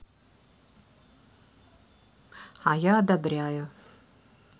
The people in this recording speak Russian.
а я одобряю